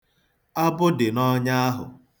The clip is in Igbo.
Abụ dị n'ọnya ahụ.